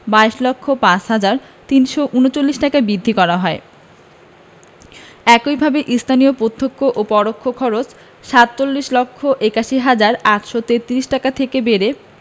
২২ লক্ষ ৫ হাজার ৩৩৯ টাকায় বৃদ্ধি করা হয় একইভাবে স্থানীয় প্রত্যক্ষ ও পরোক্ষ খরচ ৪৭ লক্ষ ৮১ হাজার ৮৩৩ টাকা থেকে বেড়ে